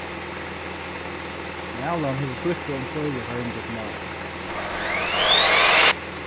malan hevur fríðkað um fleiri heim gjøgnum árini